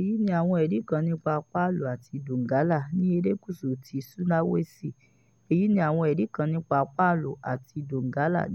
Èyí ni àwọn ẹ̀rí kan nípa Palu ati Donggala,